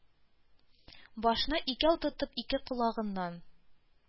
Башны икәү тотып ике колагыннан,